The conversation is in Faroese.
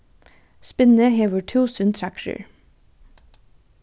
spinnið hevur túsund træðrir